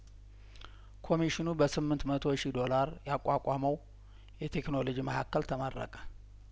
ኮሚሽኑ በስምንት መቶ ሺ ዶላር ያቋቋመው የቴክኖሎጂ ማህ ከል ተመረቀ